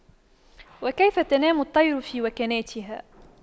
وكيف تنام الطير في وكناتها